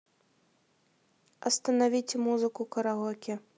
остановите музыку караоке